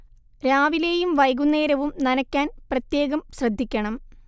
രാവിലെയും വൈകുന്നേരവും നനക്കാൻ പ്രത്യേകം ശ്രദ്ധിക്കണം